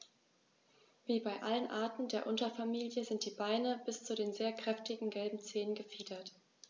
Wie bei allen Arten der Unterfamilie sind die Beine bis zu den sehr kräftigen gelben Zehen befiedert.